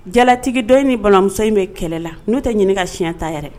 Jalatigi dɔ ni banamuso in bɛ kɛlɛ la n'o tɛ ɲini ka siɲɛ ta yɛrɛ